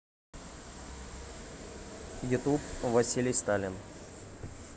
ютуб василий сталин